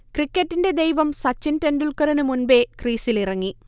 'ക്രിക്കറ്റിന്റെ ദൈവം' സച്ചിൻ ടെൻഡുൽക്കറിന് മുൻപേ ക്രീസിലിറങ്ങി